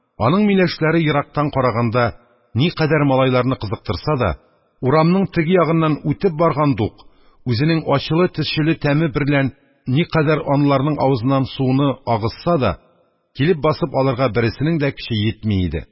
Аның миләшләре ерактан караганда никадәр малайларны кызыктырса да, урамның теге ягыннан үтеп баргандук үзенең ачылы-төчеле тәме берлән никадәр анларның авызыннан суны агызса да, килеп басып алырга берсенең дә көче йитми иде.